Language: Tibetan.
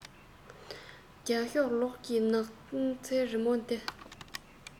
རྒྱ ཤོག ལོགས ཀྱི སྣག ཚའི རི མོ འདི